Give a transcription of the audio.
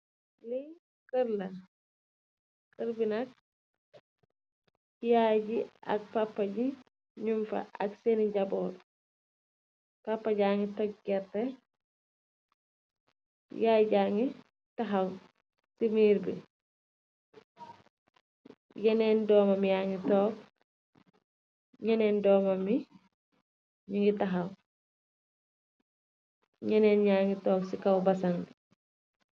li kër binak iyaay ji ak pappa yi ñum fa ak seeni jaboor pappa jangi tog-gerte yaay jangi taxaw ci miir bi yeneen dooma miyani toog ñeneenda u ngi taxaw ñeneen yangi toog ci kaw basan di